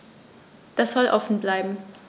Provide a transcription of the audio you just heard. Das soll offen bleiben.